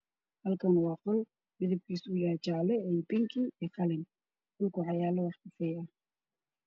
Halkaan waa qol midibkisa yahy jaalo io binki io qalin wxaa yaalo wax kafey ah